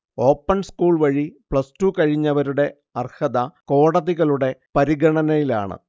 open സ്കൂൾവഴി plus two കഴിഞ്ഞവരുടെ അർഹത കോടതികളുടെ പരിഗണനയിലാണ്